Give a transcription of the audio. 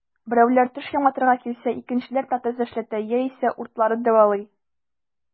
Берәүләр теш яматырга килсә, икенчеләр протез эшләтә яисә уртларын дәвалый.